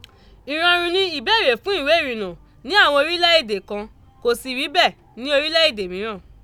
Ìrọ̀rùn ni ìbéèrè fún ìwé ìrìnnà ní àwọn orílẹ̀ èdè kan, kò sì rí bẹ́ẹ̀ ní orílẹ̀ èdè mìíràn.